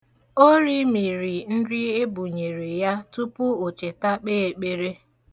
O rimiri nri ebunyere ya tupu o cheta kpe ekpere.